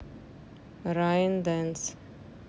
rain dance